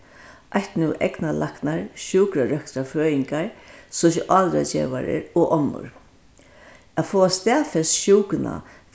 eitt nú eygnalæknar sjúkrarøktarfrøðingar sosialráðgevarar og onnur at fáa staðfest sjúkuna